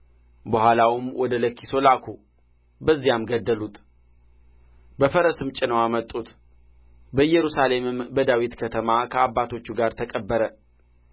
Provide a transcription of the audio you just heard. በኋላውም ወደ ለኪሶ ላኩ በዚያም ገደሉት በፈረስም ጭነው አመጡት በኢየሩሳሌምም በዳዊት ከተማ ከአባቶቹ ጋር ተቀበረ